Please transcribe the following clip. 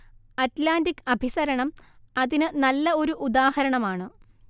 Atlantic അഭിസരണം അതിന് നല്ല ഒരു ഉദാഹരണമാണ്